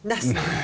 nesten.